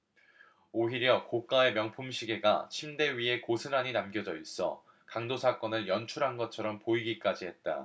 오히려 고가의 명품시계가 침대 위에 고스란히 남겨져 있어 강도 사건을 연출한 것처럼 보이기까지 했다